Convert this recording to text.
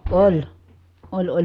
oli oli oli